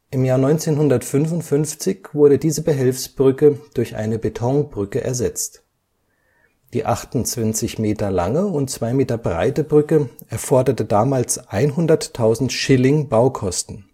1955 wurde diese Behelfsbrücke durch eine Betonbrücke ersetzt. Die 28 Meter lange und 2 Meter breite Brücke erforderte damals 100.000 Schilling Baukosten